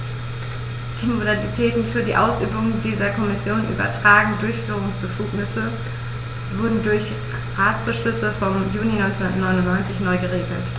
Die Modalitäten für die Ausübung dieser der Kommission übertragenen Durchführungsbefugnisse wurden durch Ratsbeschluss vom Juni 1999 neu geregelt.